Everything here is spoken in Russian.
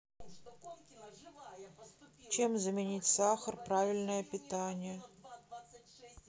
чем заменить сахар правильное питание